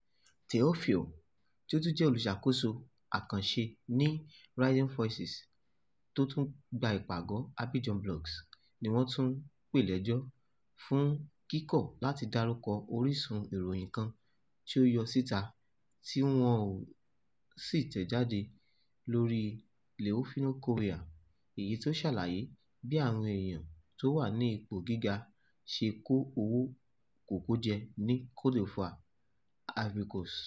Théophile, tó tún jẹ́ olùṣàkóso isẹ́ àkànṣe ní Rising Voices tó gba ìpàgọ́ọ Abidjan Blog, ní wọ́n pè lẹ́jọ́ fún kíkọ̀ láti dárúkọ orísun ìròyìn kan tó yọ́ síta ti woọ́n sì tẹ̀ jáde lórí Le Nouveau Courier, èyí tó ṣàlàyé bí àwọn èèyàn tó wà nípò gíga ṣe kó owó kòkó jẹ ní Côte d'Ivoire (Ivory Coast).